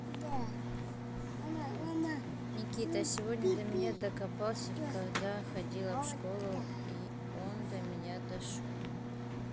никита сегодня до меня докопался когда ходила в школу он до меня дошел